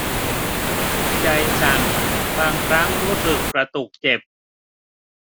ใจสั่นบางครั้งรู้สึกกระตุกเจ็บ